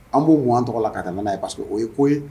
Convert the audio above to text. An b'o mu an tɔgɔ la ka tɛmɛn n'a ye parce que o ye ko ye.